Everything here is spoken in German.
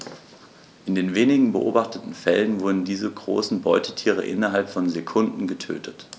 In den wenigen beobachteten Fällen wurden diese großen Beutetiere innerhalb von Sekunden getötet.